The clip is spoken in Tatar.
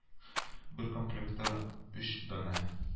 Бер комплектта өч данә